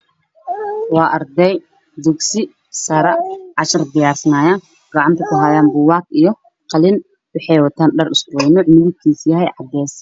Waa gabdho dugsi sare iskuul dhigta waxayna gacanta ku hayaan buugaag iyo qalmaan wa